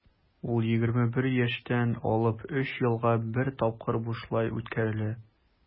Ул 21 яшьтән алып 3 елга бер тапкыр бушлай үткәрелә.